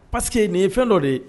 Parce que nin ye fɛn dɔ de ye